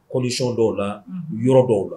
Kololisi dɔw' la yɔrɔ dɔw' la